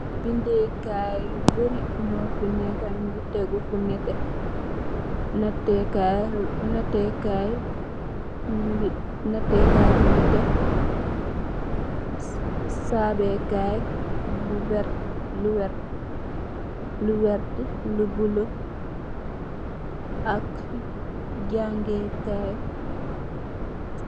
Bindeh kaii yu bari njur fii neka njungy tehgu fu nehteh, nahteh kaii, nahteh kaii mungy, nahteh kaii bu nehteh shh, sharbeh kaii bu vertue, lu wertue, lu vertue, lu bleu, ak jaangeh kaii.